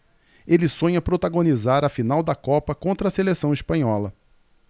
ele sonha protagonizar a final da copa contra a seleção espanhola